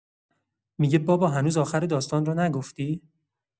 می‌گه بابا هنوز آخر داستان رو نگفتی؟